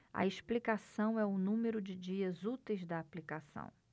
a explicação é o número de dias úteis da aplicação